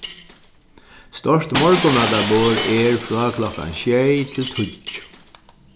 stórt morgunmatarborð er frá klokkan sjey til tíggju